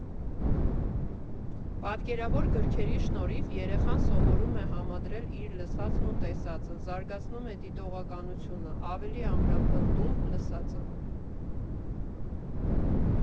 Պատկերավոր գրքերի շնորհիվ երեխան սովորում է համադրել իր լսածն ու տեսածը, զարգացնում է դիտողականությունը, ավելի ամրապնդում լսածը։